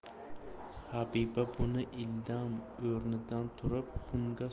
habiba buvi ildam o'rnidan